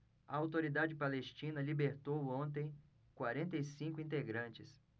a autoridade palestina libertou ontem quarenta e cinco integrantes